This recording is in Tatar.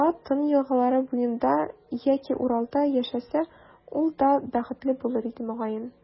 Ра, Тын елгалары буенда яки Уралда яшәсә, ул да бәхетле булыр иде, мөгаен.